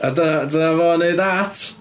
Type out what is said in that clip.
A dyna dyna fo yn wneud art.